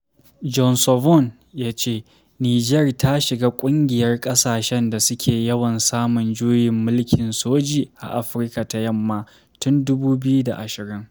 Jean Ssovon (JS): Nijar ta shiga ƙungiyar ƙasashen da suke yawan samun juyin mulkin soji a Afirka ta Yamma tun 2020.